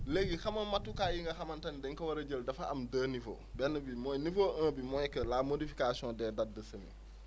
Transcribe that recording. léegi xam nga matukaay yi nga xamante ni dañ ko war a jël dafa am deux niveaux benn bi mooy niveau un bi mooy que la modification des dates :fa de semis